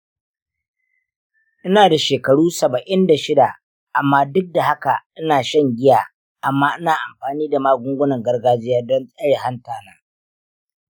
ina da shekaru saba'in da shida amma duk da haka ina shan giya amma ina amfani da magungunan gargajiya don tsare hanta na.